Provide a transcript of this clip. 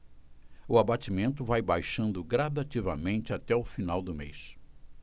o abatimento vai baixando gradativamente até o final do mês